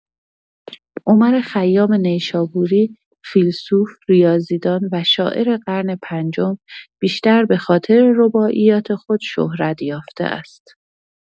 عمر خیام نیشابوری، فیلسوف، ریاضی‌دان و شاعر قرن پنجم، بیشتر به‌خاطر رباعیات خود شهرت یافته است.